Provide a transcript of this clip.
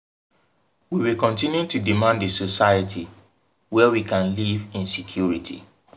We will continue to demand a society where we can live in security.